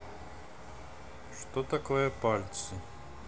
что такое пальцы